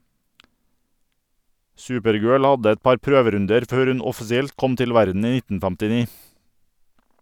Supergirl hadde et par prøverunder før hun offisielt kom til verden i 1959.